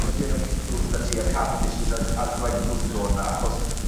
do's dim y Kittels 'dy ti a'r Cavendishes a g- a'r Greipels yn dod 'ma achos